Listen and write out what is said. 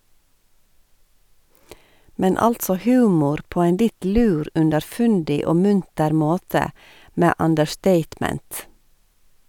Men altså humor på ein litt lur, underfundig og munter måte, med understatement.